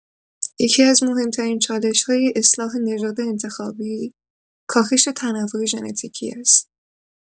یکی‌از مهم‌ترین چالش‌های اصلاح نژاد انتخابی، کاهش تنوع ژنتیکی است.